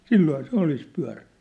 silloinhan se olisi -